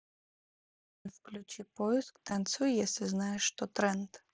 джой включи поиск танцуй если знаешь что тренды